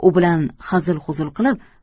u bilan hazil huzul qilib